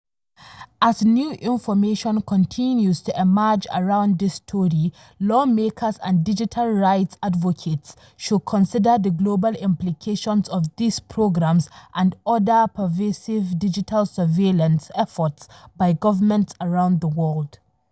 As new information continues to emerge around this story, lawmakers and digital rights advocates should consider the global implications of these programs and other pervasive digital surveillance efforts by governments around the world.